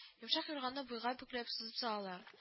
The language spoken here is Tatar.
Йомшак юрганны буйга бөкләп сузып салалар